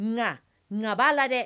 Ŋaa ŋa b'a la dɛ